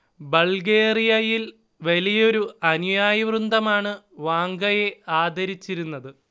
ബൾഗേറിയയിൽ വലിയൊരു അനുയായി വൃന്ദമാണ് വാംഗയെ ആദരിച്ചിരുന്നത്